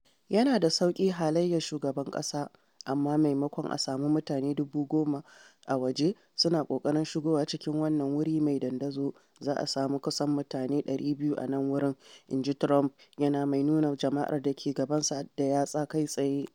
“Yana da sauki halayyar shugaban ƙasa, amma maimakon a sami mutane 10,000 a waje suna ƙoƙarin shigowa cikin wannan wuri mai dandazo, za mu sami kusan mutane 200 a nan wurin,” inji Trump, yana mai nuna jama’ar da ke gabansa da yatsa kai tsaye.